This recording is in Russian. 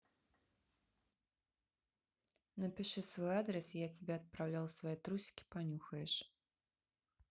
напиши свой адрес я тебе отправлял свои трусики понюхаешь